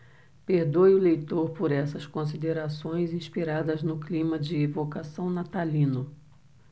perdoe o leitor por essas considerações inspiradas no clima de evocação natalino